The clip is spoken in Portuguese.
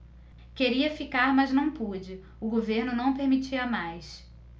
queria ficar mas não pude o governo não permitia mais